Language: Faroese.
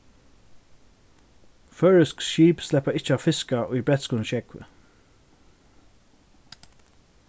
føroysk skip sleppa ikki at fiska í bretskum sjógvi